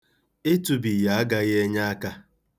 Ịtụbi ya agaghị enye aka.